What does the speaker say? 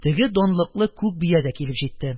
Теге данлыклы күк бия дә килеп җитте.